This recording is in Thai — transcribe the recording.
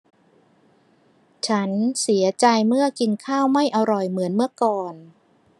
ฉันเสียใจเมื่อกินข้าวไม่อร่อยเหมือนเมื่อก่อน